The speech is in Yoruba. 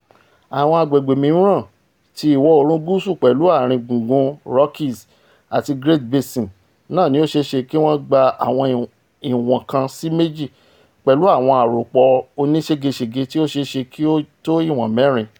Àwọn agbègbè̀̀ mìíràn ti Ìwọ-oòrùn Gúúsù pẹ̀lú ààrin gúngún Rockies àti Great Basin náà ní ó ṣeé ṣe kí wọ́n gba ìwọn 1 sí 2, pẹ̀lú àwọn àropọ̀ onísége-sège tí ó ṣeé ṣe kí ó tó ìwọ̀n 4.